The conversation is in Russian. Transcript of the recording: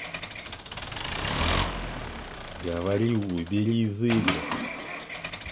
говорю убери из игр